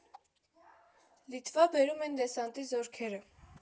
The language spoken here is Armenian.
Լիտվա բերում են դեսանտի զորքեր։